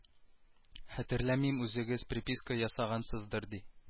Хәтерләмим үзегез приписка ясагансыздыр ди